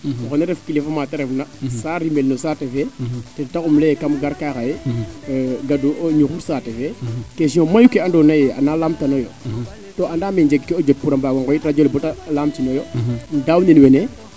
o xene ref kilifa maata refna saa rimel no saate fee ten taxu im ley'u yee kam gar kaa xaye gadu o ñuxur saate fee question ka ando naye ana laam tano yo to andame njeg kee jot pour a mbaago ngoyit radio le bata lamtino yo im daawnin wene